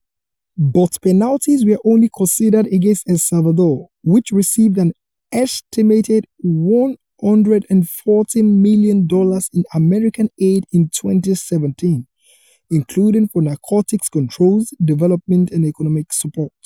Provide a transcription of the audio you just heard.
But penalties were only considered against El Salvador, which received an estimated $140 million in American aid in 2017, including for narcotics controls, development and economic support.